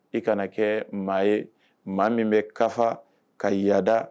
I kana kɛ maa ye maa min bɛ kafa ka yaada